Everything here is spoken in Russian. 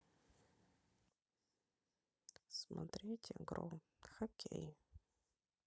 смотреть игру хоккей